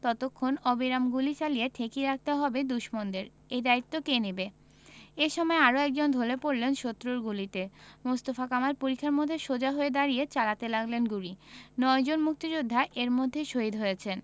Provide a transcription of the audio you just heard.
ততক্ষণ অবিরাম গুলি চালিয়ে ঠেকিয়ে রাখতে হবে দুশমনদের এ দায়িত্ব কে নেবে এ সময় আরও একজন ঢলে পড়লেন শত্রুর গুলিতে মোস্তফা কামাল পরিখার মধ্যে সোজা হয়ে দাঁড়িয়ে চালাতে লাগলেন গুলি নয়জন মুক্তিযোদ্ধা এর মধ্যেই শহিদ হয়েছেন